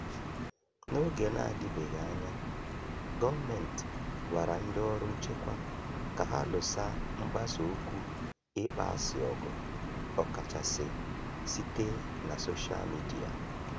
N'oge na-adịbeghị anya, gọọmentị gwara ndị ọrụ nchekwa ka ha "lụsa mgbasa okwu ịkpọasị ọgụ, ọkachasị site na soshaa midịa".